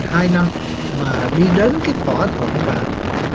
hai năm mà đi đến cái thỏa thuận mà